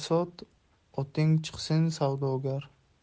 sot oting chiqsin savdogar